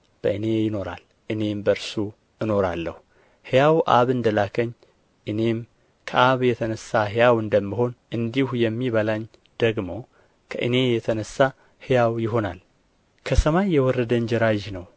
በእኔ ይኖራል እኔም በእርሱ እኖራለሁ ሕያው አብ እንደ ላከኝ እኔም ከአብ የተነሣ ሕያው እንደምሆን እንዲሁ የሚበላኝ ደግሞ ከእኔ የተነሣ ሕያው ይሆናል ከሰማይ የወረደ እንጀራ ይህ ነው